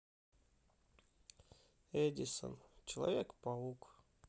эдисон человек паук